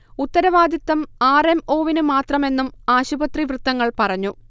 ഉത്തരവാദിത്തം R. M. ഒവിനു മാത്രമെന്നും ആശുപത്രി വൃത്തങ്ങൾ പറഞ്ഞു